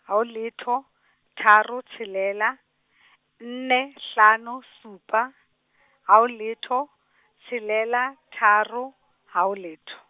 ha ho letho, tharo tshelela , nne hlano supa, ha ho letho, tshelela tharo, ha ho letho.